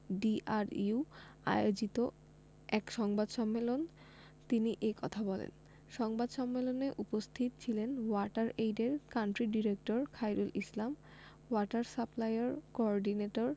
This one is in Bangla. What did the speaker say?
ডিআরইউ আয়োজিত এক সংবাদ সম্মেলন তিনি এ কথা বলেন সংবাদ সম্মেলনে উপস্থিত ছিলেন ওয়াটার এইডের country director Khairul Islam water সাপ্লাইর কর্ডিনেটর